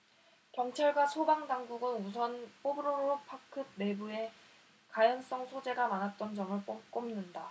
경찰과 소방당국은 우선 뽀로로 파크 내부에 가연성 소재가 많았던 점을 꼽는다